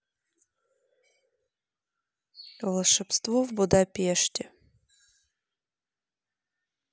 волшебство в будапеште